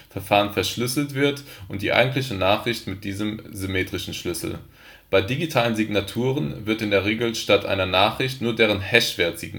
Verfahren verschlüsselt wird und die eigentliche Nachricht mit diesem symmetrischen Schlüssel. Bei digitalen Signaturen wird in der Regel statt einer Nachricht nur deren Hashwert